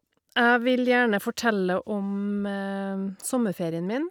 Jeg vil gjerne fortelle om sommerferien min.